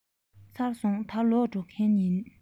ཚར སོང ད ལོག འགྲོ མཁན ཡིན